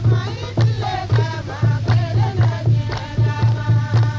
maa y'i tile kɛ maa kelen tɛ diɲɛ laban